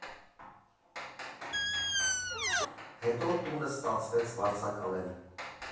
Հետո տունը ստացվեց վարձակալել։